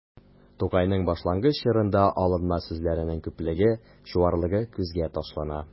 Тукайның башлангыч чорында алынма сүзләрнең күплеге, чуарлыгы күзгә ташлана.